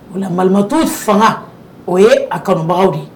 Olamato fanga o ye a kabagaw de ye